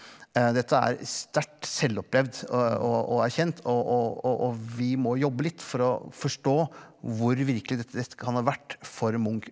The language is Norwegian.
dette er sterkt selvopplevd og og og erkjent og og og og vi må jobbe litt for å forstå hvor virkelig dette kan ha vært for Munch.